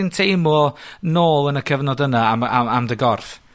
chdi'n teimlo nôl yn y cyfnod yna am yy am am dy gorff?